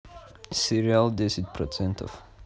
сериал десять процентов